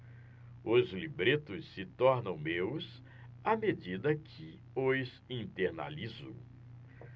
os libretos se tornam meus à medida que os internalizo